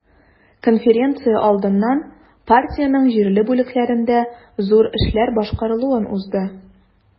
Конференция алдыннан партиянең җирле бүлекләрендә зур эшләр башкарылуын узды.